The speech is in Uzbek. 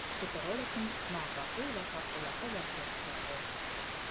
futurologni nogahoniy va favqulodda voqea kutmoqda edi